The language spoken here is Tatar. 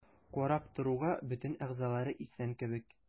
Карап торуга бөтен әгъзалары исән кебек.